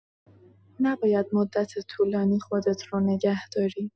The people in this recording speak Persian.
نباید مدت طولانی خودت رو نگه‌داری.